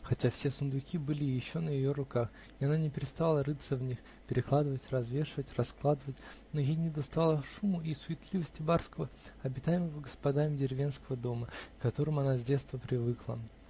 Хотя все сундуки были еще на ее руках и она не переставала рыться в них, перекладывать, развешивать, раскладывать, но ей недоставало шуму и суетливости барского, обитаемого господами, деревенского дома, к которым она с детства привыкла.